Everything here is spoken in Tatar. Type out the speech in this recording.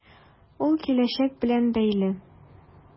Ул киләчәк белән бәйле.